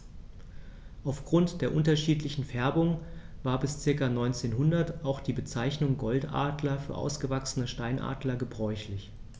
Auf Grund der unterschiedlichen Färbung war bis ca. 1900 auch die Bezeichnung Goldadler für ausgewachsene Steinadler gebräuchlich.